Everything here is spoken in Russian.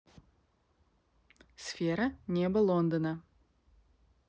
сфера небо лондона